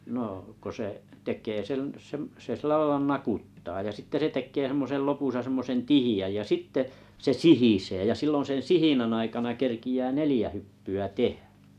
no kun se tekee sen sen se sillä lailla nakuttaa ja sitten se tekee semmoisen lopussa semmoisen tiheän ja sitten se sihisee ja silloin sen sihinän aikana kerkeää neljä hyppyä tehdä